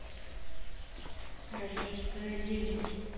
российская лень